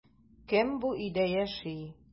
Кем бу өйдә яши?